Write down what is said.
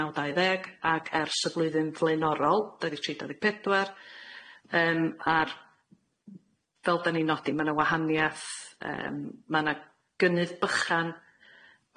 naw dau ddeg ag ers y blwyddyn flaenorol dau ddeg tri dau ddeg pedwar yym a'r fel dan ni'n nodi ma' na wahaniaeth yym ma' na gynnydd bychan.